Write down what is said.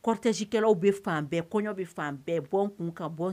Kɔrɔtɛsikɛlaw bɛ fan bɛɛ kɔɲɔ bɛ fan bɛɛ bɔ kun ka bɔ